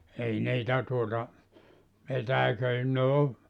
ei niitä tuota petäiköitä ne on